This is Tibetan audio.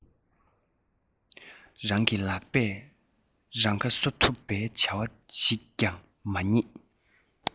རང གི ལག པས རང ཁ གསོ ཐུབ བའི བྱ བ ཞིག ཀྱང མ རྙེད